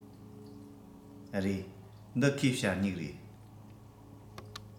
རེད འདི ཁོའི ཞ སྨྱུག རེད